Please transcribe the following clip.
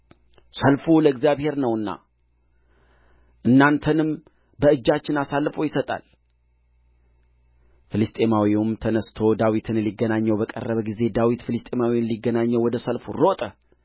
ሰልፉ ለእግዚአብሔር ነውና እናንተንም በእጃችን አሳልፎ ይሰጣል ፍልስጥኤማዊውም ተነሥቶ ዳዊትን ሊገናኘው በቀረበ ጊዜ ዳዊት ፍልስጥኤማዊውን ሊገናኘው ወደ ሰልፉ ሮጠ